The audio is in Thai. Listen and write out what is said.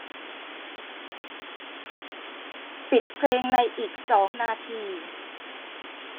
ปิดเพลงในอีกสองนาที